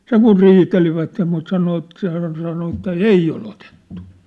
sen kun riitelivät mutta sanoi että se hän sanoi että ei ole otettu